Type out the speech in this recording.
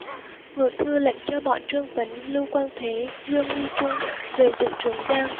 ngự thư lệnh cho bọn trương tuấn lưu quang thế dương nghi trung về giữ trường giang